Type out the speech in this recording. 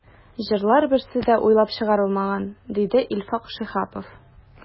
“җырлар берсе дә уйлап чыгарылмаган”, диде илфак шиһапов.